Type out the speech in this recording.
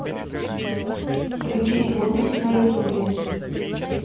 включить лунтик на ютубе